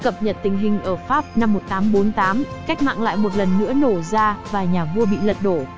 cập nhật tình hình ở pháp năm cách mạng lại lần nữa nổ ra và nhà vua bị lật đổ